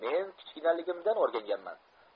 men kichkinaligimdan o'rganganman